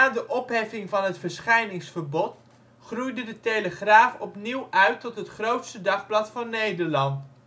de opheffing van het verschijningsverbod groeide De Telegraaf opnieuw uit tot het grootste dagblad van Nederland